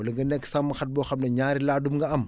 wala nga nekk sàmmkat boo xam ne énaari laadum nga am